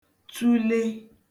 tụle